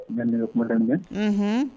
Nka ne bɛ kumada dɛ